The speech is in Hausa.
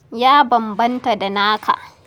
Ya bambanta da naka.